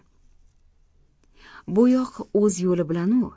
bo'yoq o'z yo'li bilan u